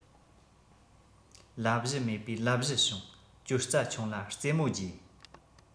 ལབ གཞི མེད པའི ལབ གཞི བྱུང གྱོད རྩ ཆུང ལ རྩེ མོ རྒྱས